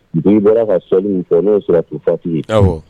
Den bɔra ka so min fɔ n'o sɔrɔ fati ye